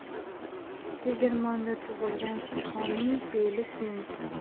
tegirmonda tug'ilgan sichqonning fe'li keng